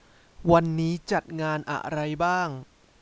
วันนี้จัดงานอะไรบ้าง